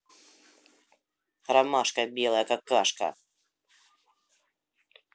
ромашка белая какашка